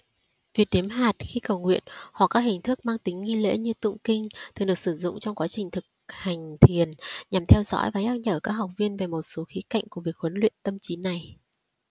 việc đếm hạt khi cầu nguyện hoặc các hình thức mang tính nghi lễ như tụng kinh thường được sử dụng trong quá trình thực hành thiền nhằm theo dõi và nhắc nhở các học viên về một số khía cạnh của việc huấn luyện tâm trí này